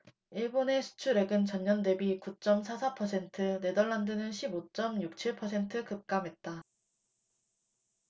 일본의 수출액은 전년대비 구 쩜 사 사 퍼센트 네덜란드는 십 오 쩜 육 칠 퍼센트 급감했다